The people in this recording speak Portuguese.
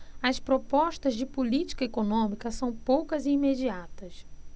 as propostas de política econômica são poucas e imediatas